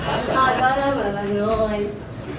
mày tin tao đánh mày không thôi thôi con mời bà ngồi